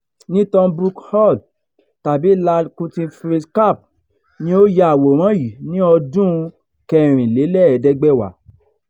Northbrook Hall tàbí Lal Kuthi – Fritz Kapp ni ó ya àwòrán yìí ní ọdún-un 1904.